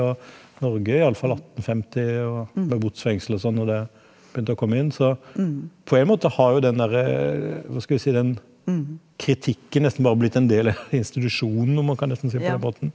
og Norge iallfall attenefemti og med godsfengselet og sånn når det begynte å komme inn så på en måte har jo den derre , hva skal jeg si den kritikken nesten bare blitt en del av institusjonen om man kan nesten si det på den måten.